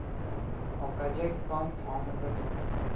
oqajak qon tomirda turmas